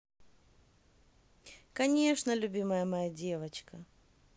конечно любимая моя девочка